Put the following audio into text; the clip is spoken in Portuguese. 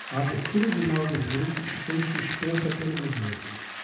a abertura de novos grupos foi suspensa pelo governo